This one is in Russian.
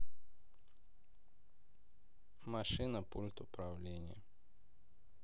машина пульт управления